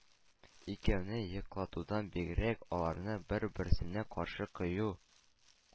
Икәүне йоклатудан бигрәк, аларны бер-беренә каршы кую,